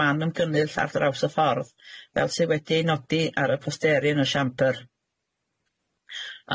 man ymgynnull ar draws y ffordd fel sy wedi ei nodi ar y posteri yn y shambyr.